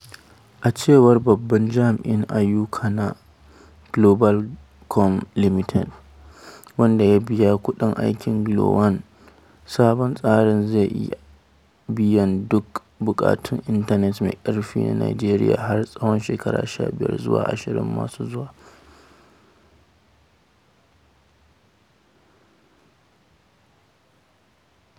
A cewar Babban Jami’in Ayyuka na Globacom Limited, wanda ya biya kuɗin aikin GLO-1, sabon tsarin zai iya biyan duk buƙatun intanet mai ƙarfi na Najeriya har tsawon shekaru 15 zuwa 20 masu zuwa.